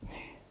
niin